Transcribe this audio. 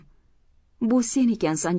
bu sen ekansan